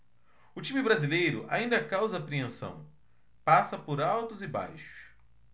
o time brasileiro ainda causa apreensão passa por altos e baixos